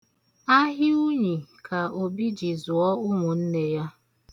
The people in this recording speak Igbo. Ahịa unyi ka Obi ji zụọ ụmụnne ya.